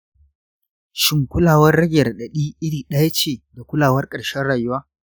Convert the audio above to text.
shin kulawar rage raɗaɗi iri ɗaya ce da kulawar ƙarshen rayuwa?